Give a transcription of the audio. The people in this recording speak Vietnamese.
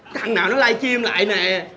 thằng nào nó lai chim lại nè